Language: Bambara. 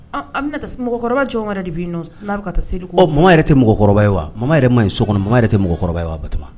An mɔgɔkɔrɔba wɛrɛ yɛrɛ de'i nɔn n'a bɛ ka taa seli mɔgɔ yɛrɛ tɛ mɔgɔkɔrɔba ye wa mɔgɔ yɛrɛ ma ye so kɔnɔ makankɛ yɛrɛ tɛ mɔgɔkɔrɔba ye wa bato